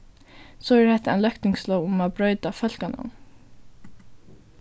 so er hetta her ein løgtingslóg um at broyta fólkanøvn